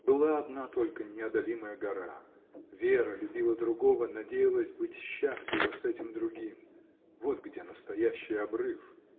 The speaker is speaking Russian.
Была одна только неодолимая гора: Вера любила другого, надеялась быть счастлива с этим другим — вот где настоящий обрыв!